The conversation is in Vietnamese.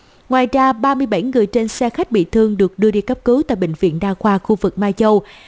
ngoài ra người trên xe khách bị thương được đưa đi cấp cứu tại bệnh viện đa khoa khu vực mai châu